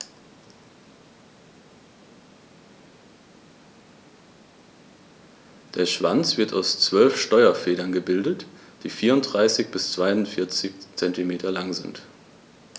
Der Schwanz wird aus 12 Steuerfedern gebildet, die 34 bis 42 cm lang sind.